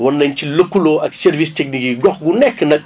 war nañ ci lëkkaloo ak service techniques yi gox bu nekk nag